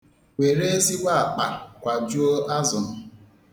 Were ezigbo akpa kwajuo azụ m.